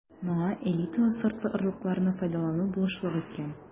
Моңа элиталы сортлы орлыкларны файдалану булышлык иткән.